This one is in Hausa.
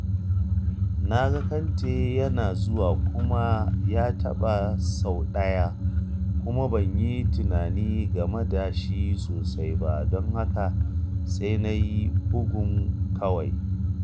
“Na ga Kante yana zuwa kuma ya taɓa sau ɗaya kuma ban yi tunani game da shi sosai ba don haka sai na yi bugun kawai.”